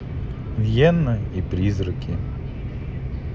вьена и призраки